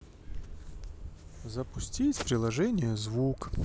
запустить приложение звук